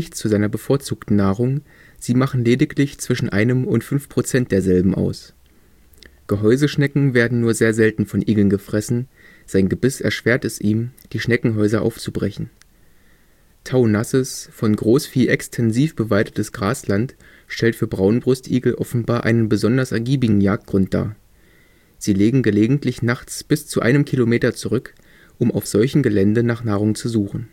zu seiner bevorzugten Nahrung, sie machen lediglich zwischen einem und fünf Prozent derselben aus. Gehäuseschnecken werden nur sehr selten von Igeln gefressen – sein Gebiss erschwert es ihm, die Schneckenhäuser aufzubrechen. Taunasses, von Großvieh extensiv beweidetes Grasland stellt für Braunbrustigel offenbar einen besonders ergiebigen Jagdgrund dar. Sie legen gelegentlich nachts bis zu einem Kilometer zurück, um auf solchem Gelände nach Nahrung zu suchen